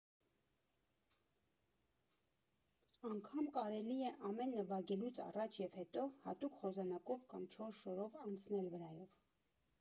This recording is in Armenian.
Անգամ կարելի է ամեն նվագելուց առաջ և հետո հատուկ խոզանակով կամ չոր շորով անցնել վրայով։